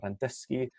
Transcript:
yn dysgu